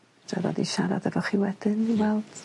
fedrai ddod i siarad efo chi wedyn i weld...